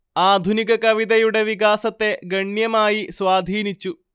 ആധുനിക കവിതയുടെ വികാസത്തെ ഗണ്യമായി സ്വാധീനിച്ചു